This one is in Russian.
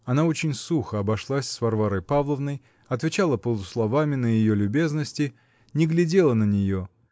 Она очень сухо обошлась с Варварой Павловной, отвечала полусловами на ее любезности, не глядела на нее.